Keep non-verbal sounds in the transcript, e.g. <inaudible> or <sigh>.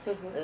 <hesitation> <hesitation>